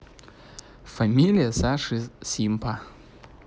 familia саша симпа